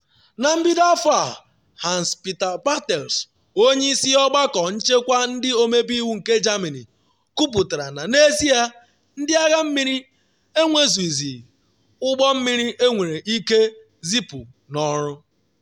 Na mbido afọ a, Hans-Peter Bartels, onye isi ọgbakọ nchekwa ndị ọmebe iwu nke Germany, kwuputara na n’ezie Ndị Agha Mmiri “enwezughịzi ụgbọ mmiri enwere ike zipu n’ọrụ.”